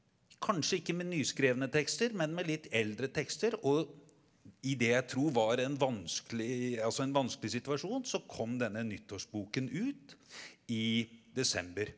kanskje ikke med nyskrevne tekster, men med litt eldre tekster og i det jeg tror var en vanskelig altså en vanskelig situasjon så kom denne nyttårsboken ut i desember.